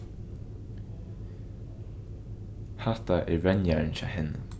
hatta er venjarin hjá henni